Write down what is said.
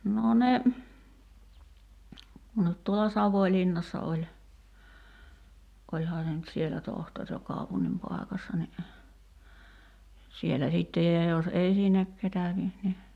no ne no tuolla Savonlinnassa oli olihan se nyt siellä tohtori ja kaupungin paikassa niin siellä sitten ja jos ei sinne ketä niin niin